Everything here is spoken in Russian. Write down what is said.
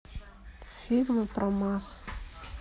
фильм про маз